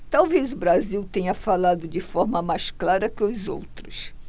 talvez o brasil tenha falado de forma mais clara que os outros